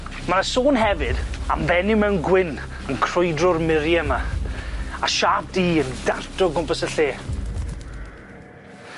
Ma' 'ny son hefyd am fenyw mewn gwyn yn crwydro'r murie 'my a siap du yn darto o gwmpas y lle.